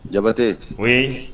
Jabatɛ o ye